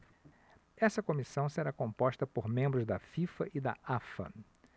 essa comissão será composta por membros da fifa e da afa